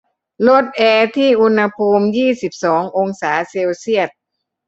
ลดแอร์ที่อุณหภูมิยี่สิบสององศาเซลเซียส